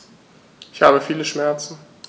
Ich habe viele Schmerzen.